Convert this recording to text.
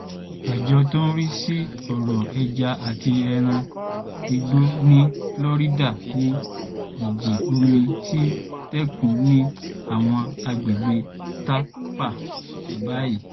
Àjọ tó ń rí sí ọ̀rọ̀ ẹja àti ẹran igbó ní Florida ní ìjì omi ti dẹ́kun ní àwọn agbègbè̀ Tampa Bay.